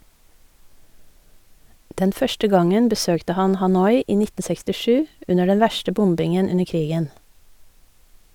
Den første gangen besøkte han Hanoi i 1967 under den verste bombingen under krigen.